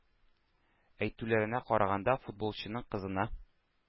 Әйтүләренә караганда, футболчының кызына